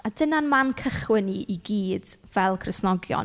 A dyna'n man cychwyn ni i gyd fel Cristnogion.